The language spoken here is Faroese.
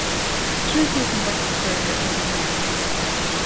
trý túsund vaksnir føroyingar tóku lut